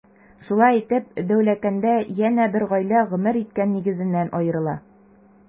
Шулай итеп, Дәүләкәндә янә бер гаилә гомер иткән нигезеннән аерыла.